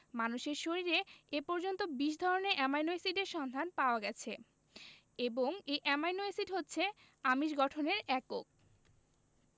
মানুষের শরীরে এ পর্যন্ত ২০ ধরনের অ্যামাইনো এসিডের সন্ধান পাওয়া গেছে এবং এই অ্যামাইনো এসিড হচ্ছে আমিষ গঠনের একক